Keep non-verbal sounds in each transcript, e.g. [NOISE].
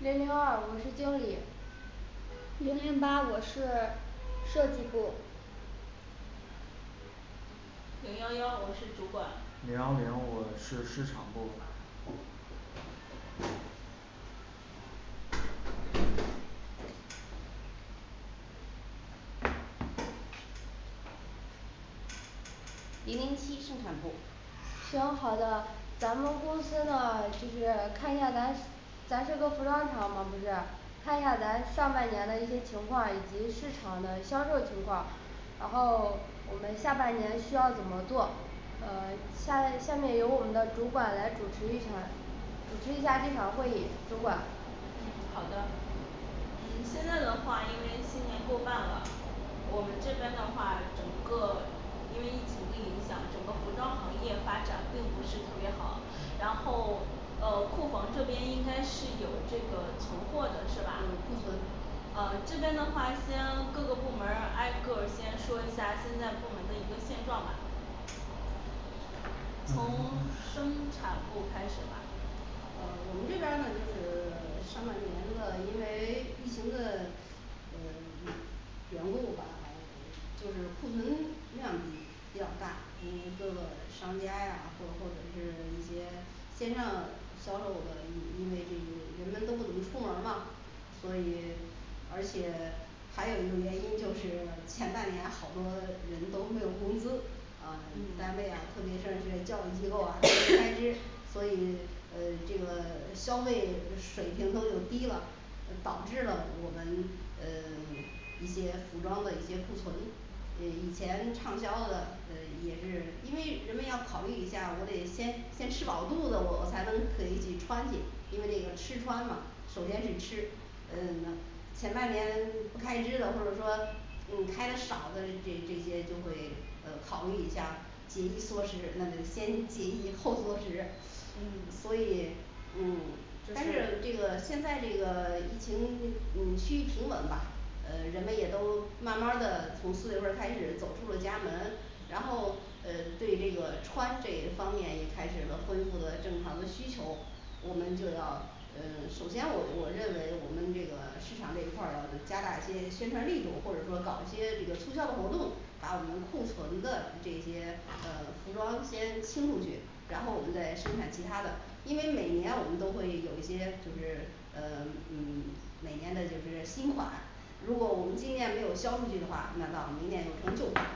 零零二我是经理零零八我是设计部零幺幺我是主管零幺零我是市场部零零七生产部行好的，咱们公司呢就是看一下咱咱这个服装厂嘛，不是看一下咱上半年的一些情况以及市场的销售情况然后我们下半年需要怎么做，呃下面下面由我们的主管来主持一场主持一下这场会议主管。嗯好的。嗯现在的话因为今年过半了我们这边的话整个因为疫情的影响，整个服装行业发展并不是特别好，然后呃库房这边应该是有这个存货的是吧嗯库存呃这边的话先各个部门儿挨个儿先说一下现在部门的一个现状吧嗯从 [SILENCE] 生产部开始吧嗯我们这边儿呢就是 [SILENCE] 上半年的，因为疫情的呃 [SILENCE] 缘故吧就是库存量比比较大，有一个商家呀或或者是一些线上销售的，因为就是人们都不能出门儿嘛所以而且还有一个原因就是前半年好多人都没有工资啊工作单位啊，特别是像这些教育机构啊，[HESITATION] 所以呃这个消费水平都又低了就导致了我们呃 [SILENCE] 一些服装的一些库存嗯以前畅销的呃也是因为人们要考虑一下儿，我得先先吃饱肚子，我我才能可以去穿去，因为这个吃穿嘛首先是吃嗯前半年不开支的，或者说嗯开的少的，这这些就会呃考虑一下紧衣缩食，那得先紧衣后缩食嗯所以嗯就但是这是个现在这个疫情嗯趋于平稳吧呃人们也都慢慢儿的从四月份儿开始走出了家门，然后呃对这个穿这一方面也开始了恢复了正常的需求。我们就要嗯首先我我认为我们这个市场这一块儿要加大一些宣传力度，或者说搞一些这个促销的活动，把我们库存的这些嗯服装先清出去然后我们再生产其他的，因为每年我们都会有一些就是呃 [SILENCE] 嗯 [SILENCE] 每年的就是新款如果我们今年没有销出去的话，那到明年就成旧款了。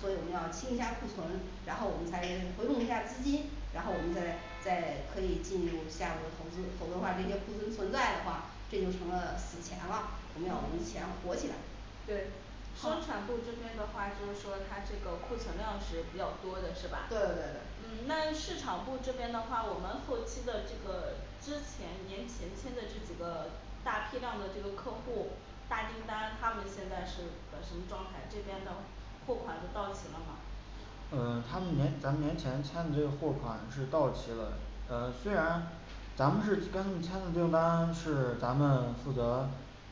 所以我们要清一下库存，然后我们才回笼一下资金，然后我们再再可以进一步下一步的投资，否则的话这些库存存在的话，这就成了死钱了，没有钱嗯活起来。对。生产部这边的话就是说它这个库存量是比较多的是吧？对对对嗯那市场部这边的话，我们后期的这个之前年前签的这几个大批量的这个客户大订单，他们现在是个什么状态这边的货款都到齐了吗？呃他们年咱们年前签的这货款是到期了，呃虽然咱们是跟他们签的订单是咱们负责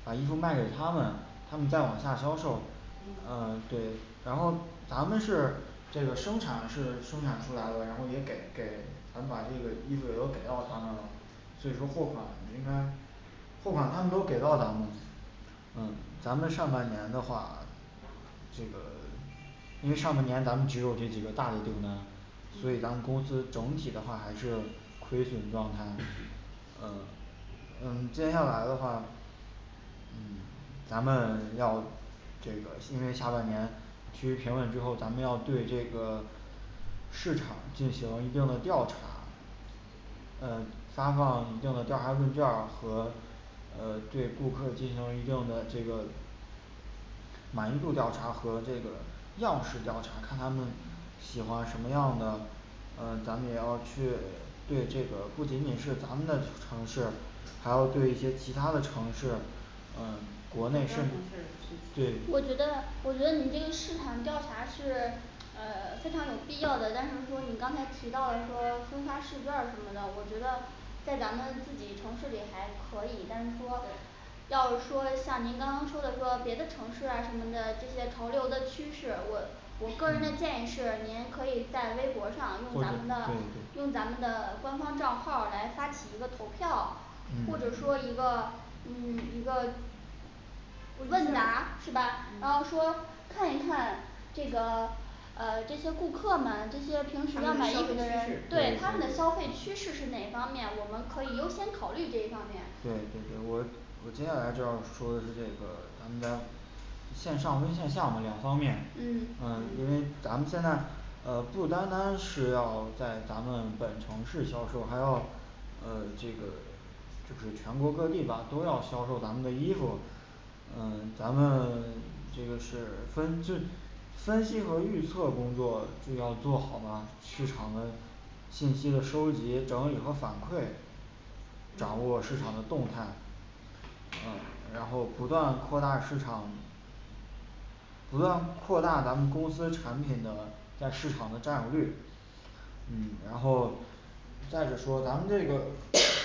把衣服卖给他们，他们再往下销售。嗯嗯对，然后咱们是这个生产是生产出来了，然后也给给咱们把这个衣服也都给到他们了。所以说货款应该货款他们都给到咱们嗯咱们上半年的话这个 [SILENCE] 因为上半年咱们只有这几个大的订单，所以咱们嗯公司整体的话还是亏损状态& [HESITATION] &嗯嗯接下来的话嗯咱们要这个因为下半年趋于平稳之后，咱们要对这个市场进行一定的调查呃发放一定的调查问卷儿和呃对顾客进行一定的这个满意度调查和这个样式调查，看他们喜欢什么样的嗯咱们也要去对这个不仅仅是咱们的城市还要对一些其他的城市，嗯其国他内城甚至对市我觉得我觉得你这个市场调查是呃非常有必要的，但是说你刚才提到了说分发试卷儿什么的，我觉得在咱们自己城市里还可以，但是说&对&要是说像您刚刚说的说别的城市啊什么的这些潮流的趋势，我我个人的嗯建议是您可以在微博上用或者咱们的对对用咱们的官方账号儿来发起一个投票，或者说一嗯个嗯一个问问卷答是吧然后嗯说看一看这个呃这些顾客们这些平时他要们买衣消费服的的趋人势对他们的消费趋势是哪方面，我们可以优先考虑这一方面，对对对，我。我接下来就要说的是这个咱们单线上跟线下的两方面，嗯嗯因为嗯咱们现在呃不单单是要在咱们本城市销售，还要呃这个就是全国各地吧都要销售咱们的衣服嗯咱们这个是分就分析和预测工作就要做好吗？市场的信息的收集整理和反馈，掌握市嗯场的动态，嗯然后不断扩大市场不断扩大咱们公司产品的在市场的占有率。嗯然后再者说咱们这个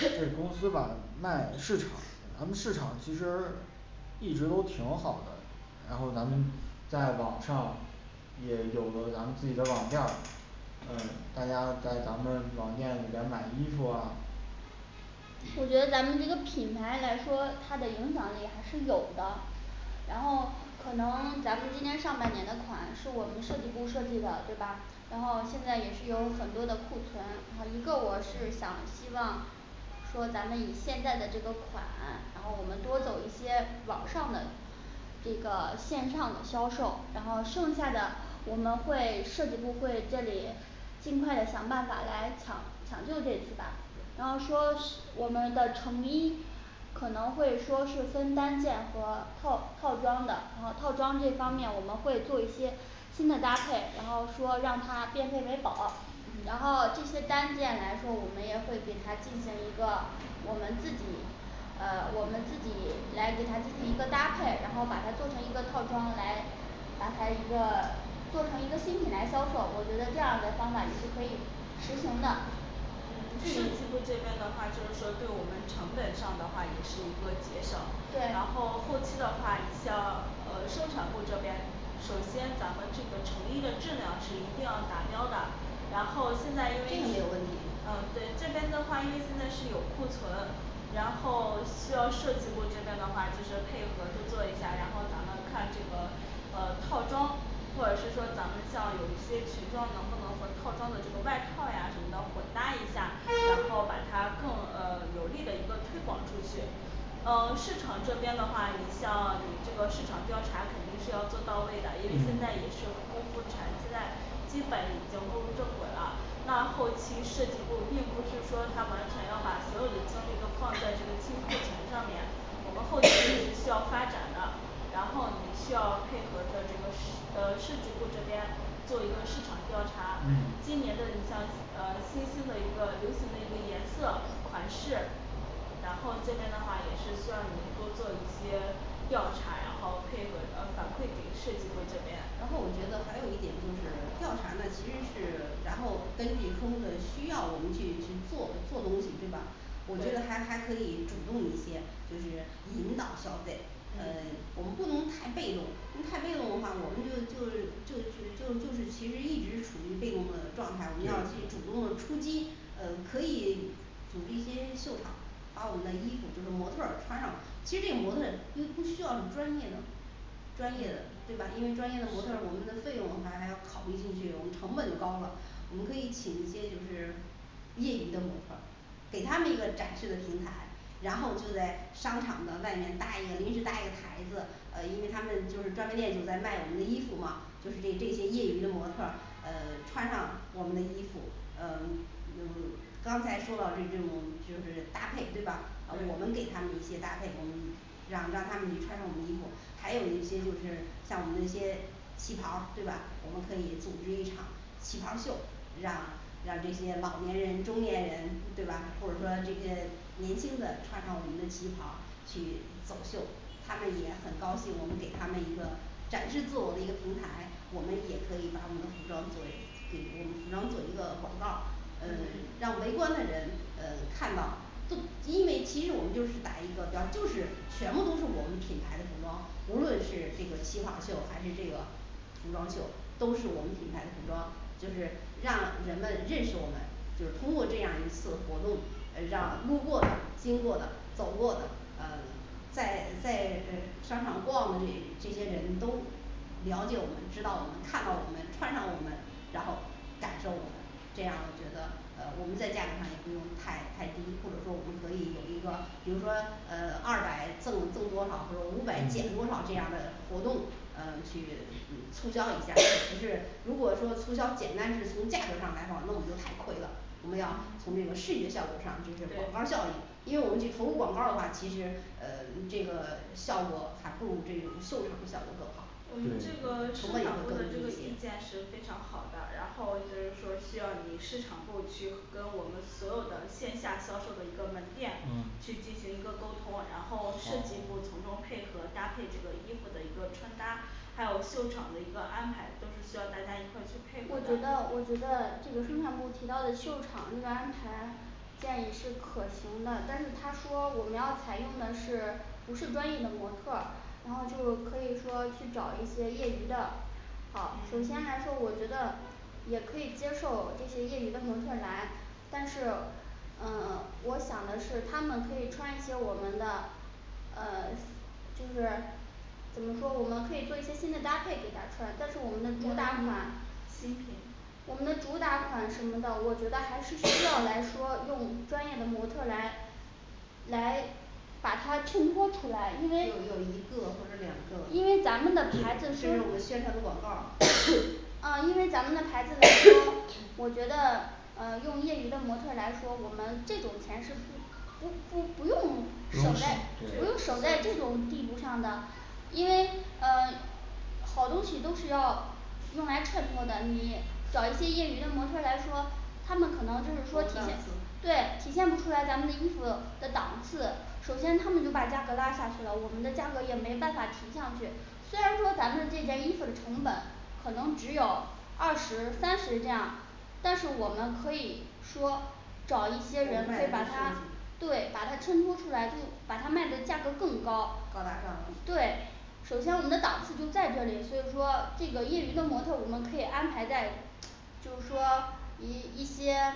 这 公司吧卖市场，咱们市场其实一直都挺好的，然后咱们在网上也有了咱们自己的网店儿，嗯大家在咱们网店里边买衣服啊我觉得咱们这个品牌来说，它的影响力还是有的然后可能咱们今年上半年的款是我们设计部设计的，对吧？然后现在也是有很多的库存，它一个我是想希望说咱们以现在的这个款，然后我们多走一些网上的这个线上的销售，然后剩下的我们会设计部会这里尽快的想办法来抢抢救这次吧然后说是我们的成衣可能会说是分单件和套套装的，然后套装这方面我们会做一些新的搭配，然后说让它变废为宝，然嗯后这些单件来说，我们也会给它进行一个我们自己啊我们自己来给它进行一个搭配，然后把它做成一个套装来把它一个做成一个新品来销售，我觉得这样的方法也是可以实行的。嗯设计部这边的话就是说对我们成本上的话也是一个节省，然对后后期的话像呃生产部这边首先咱们这个成衣的质量是一定要达标的，然后现在这因个为有问题对这边的话，因为现在是有库存然后需要设计部这边的话就是配合多做一下，然后咱们看这个呃套装，或者是说咱们像有一些群装能不能和套装的这个外套呀什么的混搭一下，然后把它更呃有利的一个推广出去。嗯市场这边的话你像你这个市场调查肯定是要做到位的，因为现在也嗯是复工复产，现在基本已经步入正轨了，那后期设计部并不是说他完全要把所有的精力都放在这个清库存上面我们后期也是需 [HESITATION] 要发展的，然后你需要配合着这个十呃设计部这边做一个市场调查，嗯今年的你像呃新兴的一个流行的一个颜色款式然后这边的话也是需要你多做一些调查，然后配合呃反馈给设计部这边然后我觉得还有一点就是调查呢其实是然后根据客户的需要我们去去做做东西对吧我觉得还对还可以主动一些就是引导消费嗯嗯我们不能太被动，因为太被动的话，我们就是就是就是就就是其实一直处于被动的状态，我们要去对主动的出击，呃可以组织一些秀场把我们的衣服就是模特儿穿上，其实这个模特儿自不需要很专业的专业的对吧？因为专业的模特儿我们是的费用它还要考虑进去，我们成本就高了，我们可以请一些就是业余的模特儿给他们一个展示的平台，然后就在商场的外面搭一个临时搭一个台子呃因为他们就是专卖店就在卖我们的衣服嘛，就是这这些业余的模特儿呃穿上我们的衣服嗯嗯刚才说到这这种就是搭配对吧？嗯我们对给他们一些搭配，我们让让他们穿上我们的衣服，还有一些就是像我们这些旗袍儿对吧？我们可以组织一场旗袍儿秀，让让这些老年人中年人对吧？或者说这些年轻的穿上我们的旗袍儿去走秀他们也很高兴我们给他们一个展示自我的一个平台，我们也可以把我们的服装作为给我们服装做一个广告儿，嗯嗯让围观的人嗯看到都因为其实我们就是把一个比方，就是全部都是我们品牌的服装，无论是这个旗袍秀还是这个服装秀，都是我们品牌服装，就是让人们认识我们就是通过这样一次活动，呃让路过的经过的走过的呃在在这商场逛的这这些人都了解我们知道我们看到我们穿上我们，然后感受我们这样我觉得呃我们在价格上也不用太太低，或者说我们可以有一个比如说呃二百赠赠多少或者五百减多少嗯这样儿的活动呃去促销一下，还 [HESITATION] 是如果说促销简单是从价格上来话那我们就太亏了。我们要从这个嗯视觉效果上就是广告儿对效应因为我们去投入广告儿的话，其实呃这个效果还不如这种秀场的效果更好我对们这对不会个对生，产部的这个分歧意意见见是非常好的，然后是说需要你市场部去跟我们所有的线下销售的一个门店去嗯进行一个沟通，然后设计部哦从中配合搭配这个衣服的一个穿搭还有秀场的一个安排，都是需要大家一块儿去配合我的觉，得我觉得这个生产部提到的秀场人员安排建议是可行的，但是他说我们要采用的是不是专业的模特儿，然后就可以说去找一些业余的。好，首先嗯来说我觉得也可以接受这些业余的模特儿来，但是嗯我想的是他们可以穿一些我们的呃 [SILENCE] 就是怎么说，我们可以做一些新的搭配给他穿，但是我们的主打款新品我们的主打款什么的，我觉得还是需要 [HESITATION] 来说用专业的模特儿来来把它衬托出来有，因为，有一个或者两因个，为咱们的牌子就，是我们现成的广告儿啊，因为咱们的牌子来说，我 [HESITATION] 觉得啊用业余的模特儿来说，我们这种钱是不不不不用不用省在不用省对省在这种地图上的，因为嗯好东西都是要用来衬托的，你找一些业余的模特儿来说，他们可能就是不够说体档现次对，体现不出来咱们的衣服的档次，首先他们就把价格拉下去了，我们的价格也没办法提上去。虽然说咱们这件衣服的成本可能只有二十三十这样，但是我们可以说找一我们卖些人会的把是设它计对把它衬托出来，就把它卖的价格更高高，大上对。首先我们的档次就在这里，所以说这个业余的模特我们可以安排在就是说一一些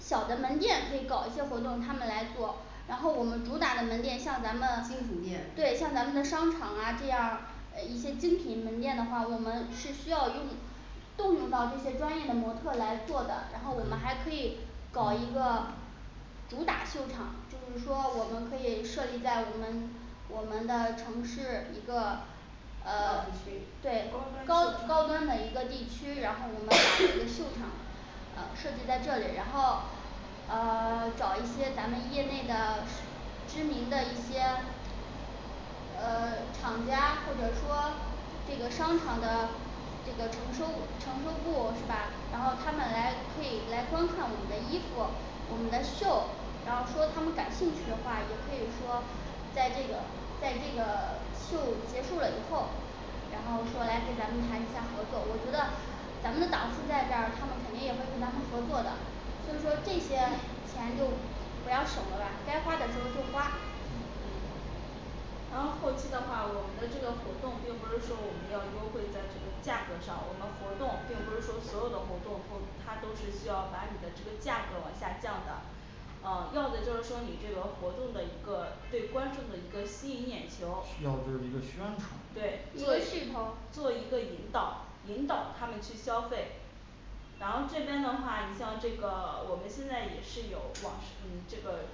小的门店可以搞一些活动他们来做，然后我们主打的门店像咱们精品店对像咱们的商场啊这样儿呃一些精品门店的话，我们是需要用动用到这些专业的模特来做的，然后我们还可以搞一个主打秀场，就是说我们可以设立在我们我们的城市一个呃 [SILENCE] 对高高高端秀场端的一个地区，然后我们秀 [HESITATION] 场啊设计在这里，然后啊 [SILENCE] 找一些咱们业内的知名的一些呃厂家或者说这个商场的这个承受承受度是吧？然后他们来可以来观看我们的衣服，我们的秀，然后除了他们感兴趣的话也可以说在这个在这个 [SILENCE] 秀结束了以后，然后过来跟咱们谈一下合作，我觉得咱们的档次在这儿，他们肯定也会跟咱们合作的。就是说这些钱就不要舍不得花，该花的时候就花嗯嗯然后后期的话，我们的这个活动并不是说我们要优惠，在这个价格上，我们活动并不是说所有的活动都它都是需要把你的这个价格往下降的呃要的就是说你这个活动的一个对观众的一个吸引眼需球，要的就是一个宣传对一做个噱头做一个引导引导他们去消费然后这边的话你像这个我们现在也是有网是 [UNINTELLIGIBLE] 嗯这个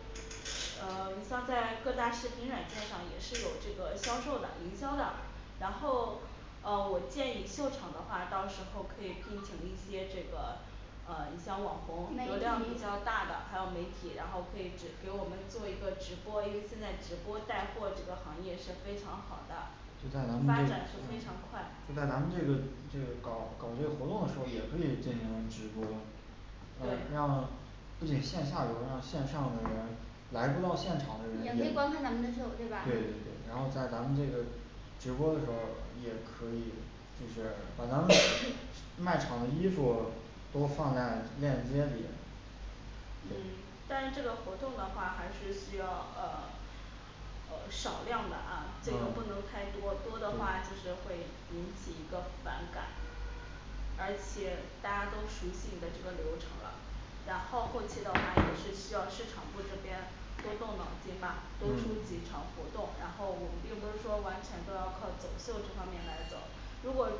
呃你像在各大视频软件上也是有这个销售的营销的然后呃我建议秀场的话，到时候可以聘请一些这个呃你像网红媒流量比体较大的还有媒体，然后可以直给我们做一个直播，因为现在直播带货这个行业是非常好的就在咱们发这展是非常快就在咱们这个这个搞搞这个活动的时候也可以进行直播对让不仅线下有人让线上的人来不到现场的也可人，以观看咱们的秀对对吧对嗯对然后在咱们这个直播的时候，也可以就是把咱们 [HESITATION] 卖场的衣服都放在链接里嗯但是这个活动的话还是需要呃呃少量的啊，这个不能嗯太多，多的话就行是会引起一个反感，而且大家都熟悉你的这个流程了，然后后期的话也是需要市场部这边多动脑筋吧，多出嗯几场活动，然后我们并不是说完全都要靠走秀这方面来走。如果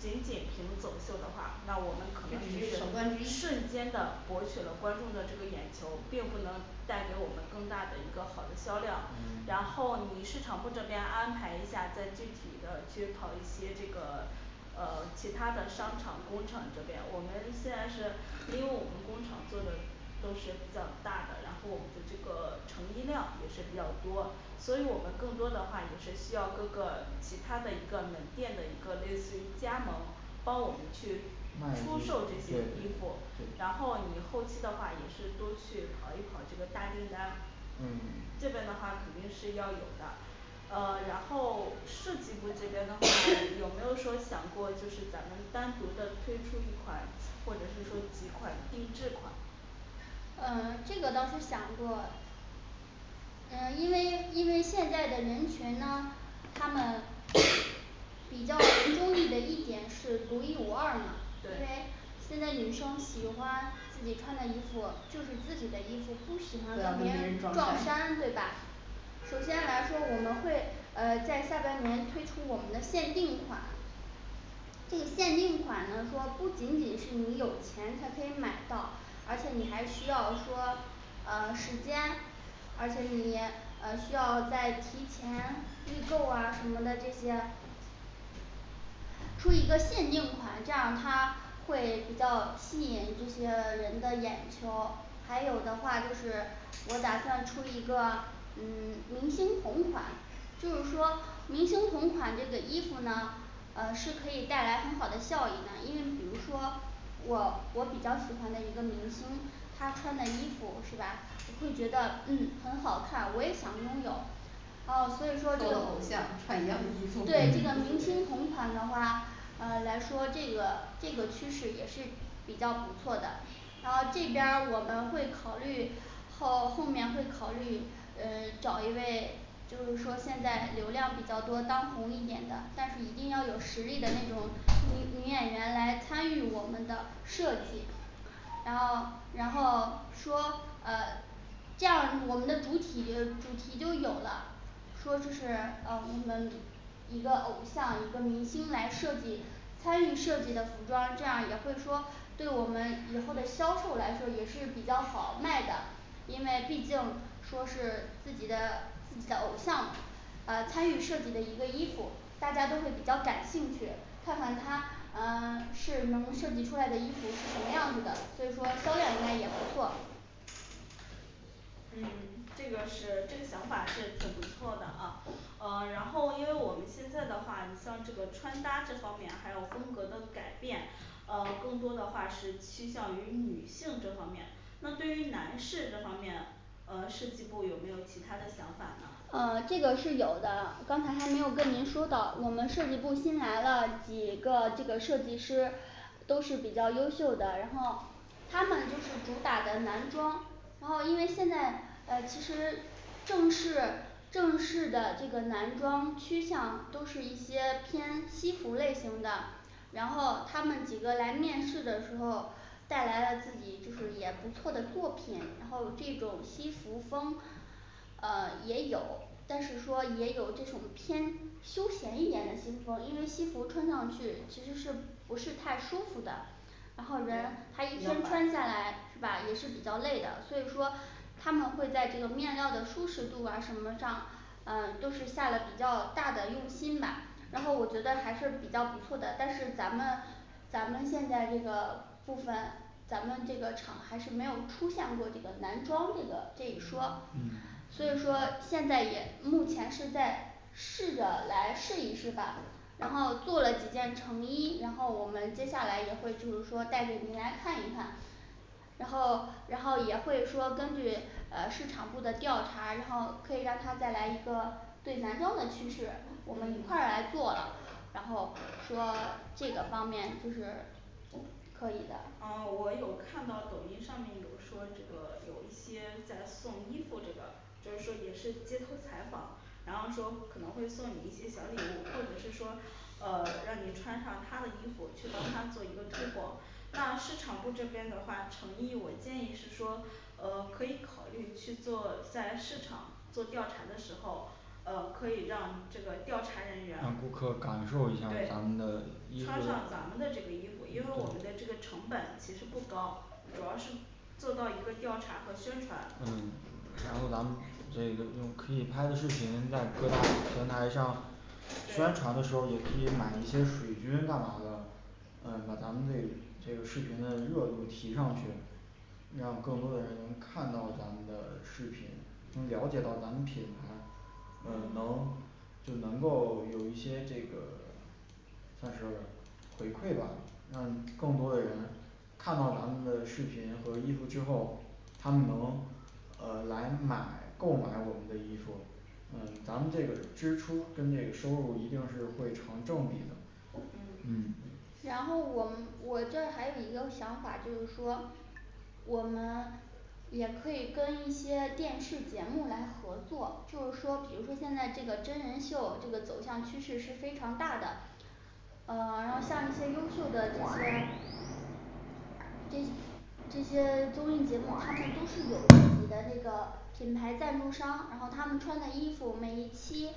仅仅凭走秀的话，那我们可能只是瞬间的博取了观众的这个眼球，并不能带给我们更大的一个好的销量。嗯然后你市场部这边安排一下，再具体的去跑一些这个呃其他的商场，工厂这边我们虽然是因为我们工厂做的都是比较大的，然后我们这个成衣量也是比较多所以我们更多的话也是需要各个其他的一个门店的一个类似于加盟帮我们去卖衣服，出对对售这些对衣服，然后你后期的话也是多去跑一跑这个大订单，这嗯边的话肯定是要有的。呃然后设计部这边的话有 [HESITATION] 没有说想过就是咱们单独的推出一款或者是说几款定制款嗯这个倒是想过呃因为因为现在的人群呢他们比较中意的 [HESITATION] 一点是独一无二嘛，因为对现在女生喜欢自己穿的衣服，就是自己的衣服不喜欢不要跟跟别别人人撞撞衫衫，对吧？首先来说我们会呃在下半年推出我们的限定款这个限定款呢说不仅仅是你有钱才可以买到，而且你还需要说呃时间而且你还需要再提前预购啊什么的这些出一个限定款，这样它会比较吸引这些人的眼球。还有的话就是我打算出一个嗯明星同款就是说明星同款这个衣服呢呃是可以带来很好的效益的，因为比如说我我比较喜欢的一个明星他穿的衣服是吧，会觉得嗯很好看，我也想拥有呃所以说和这个我偶像穿一样衣服对这个 [NOISE] 嗯明星同款的话呃来说，这个这个趋势也是比较不错的然后这边儿我们会考虑后后面会考虑呃找一位就是说现在流量比较多，当红一点的，但是一定要有实力的那种女女演员来参与我们的设计然后然后说呃这样我们的主题就主题就有了，说这是呃我们一个偶像一个明星来设计参与设计的服装，这样也会说对我们以后的销售来说也是比较好卖的因为毕竟说是自己的一个偶像嘛，啊参与设计的一个衣服，大家都会比较感兴趣看看他啊 [SILENCE] 是能设计出来的衣服是什么样子的，所以说销量应该也不错嗯这个是这个想法是挺不错的啊，呃然后因为我们现在的话，你像这个穿搭这方面还有风格的改变啊更多的话是倾向于女性这方面，那对于男士这方面啊设计部有没有其他的想法呢啊这个是有的，刚才还没有跟您说到，我们设计部新来了几个这个设计师都是比较优秀的，然后他们这次主打的男装，然后因为现在呃其实正式正式的这个男装趋向都是一些偏西服类型的，然后他们几个来面试的时候带来了自己就是也不错的作品，然后这种西服风呃也有，但是说也有这种偏休闲一点的新风，因为西服穿上去其实是不是太舒服的然后人他一天穿下来是吧也是比较累的，所以说他们会在这个面料的舒适度啊什么上啊都是下了比较大的用心吧，然后我觉得还是比较不错的，但是咱们咱们现在这个部分咱们这个厂还是没有出现过这个男装这个这一说嗯，所以说现在也目前是在试着来试一试吧，然后做了几件成衣，然后我们接下来也会就是说带给您来看一看然后然后也会说根据啊市场部的调查，然后可以让他再来一个对男装的趋势我们一块儿嗯来做了然后说这个方面就是可以的呃我有看到抖音上面有说这个有一些在送衣服这个就是说也是街头采访然后说可能会送你一些小礼物，或者是说呃让你穿上他的衣服去帮他做一个推广那市场部这边的话成衣我建议是说呃可以考虑去做，在市场做调查的时候呃可以让这个调查人员让顾客感受一下儿咱们对的衣服穿上咱们的这个衣服，因为我们的这个成本其实不高，主要是做到一个调查和宣传。嗯然后咱们这个用可以拍的视频在各大平台上宣传的对时候，也可以买一些水军干嘛的，嗯把咱们这这个视频的热度提上去让更多的人能看到咱们的视频，能了解到咱们品牌，呃嗯能就能够有一些这个算是回馈吧，让更多的人看到咱们的视频和衣服之后，他们能呃来买购买我们的衣服，嗯咱们这个支出跟这个收入一定是会成正比的。嗯嗯然后我们我这还有一个想法就是说，我们也可以跟一些电视节目来合作，就是说比如说现在这个真人秀这个走向趋势是非常大的啊然后像一些优秀的这些这这些综艺节目他们都是有自己的这个品牌赞助商，然后他们穿的衣服每一期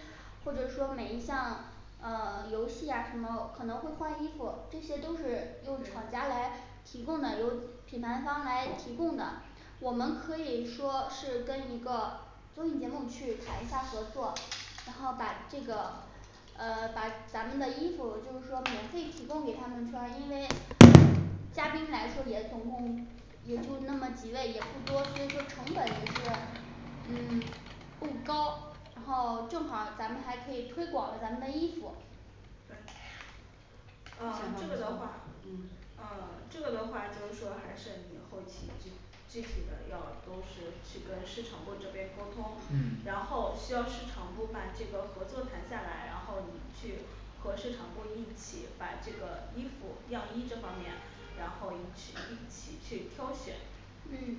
或者说每一项呃游戏啊什么可能会换衣服，这些都是用厂对家来提供的，有品牌方来提供的我们可以说是跟一个综艺节目去谈一下合作，然后把这个呃把咱们的衣服就是说免费提供给他们穿，因为嘉宾来说也总共也就那么几位也不多，所以说成本也是嗯不高，然后正好儿咱们还可以推广了咱们的衣服。对呃这个的话嗯这嗯个的话就是说还是你后期具具体的要都是去跟市场部这边沟通嗯，然后需要市场部把这个合作谈下来，然后你去和市场部一起把这个衣服样衣这方面然后一起一起去挑选嗯